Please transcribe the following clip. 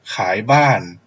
ขายบ้าน